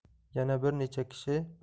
yana bir necha kishi